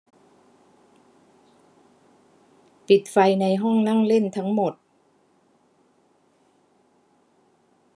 ปิดไฟในห้องนั่งเล่นทั้งหมด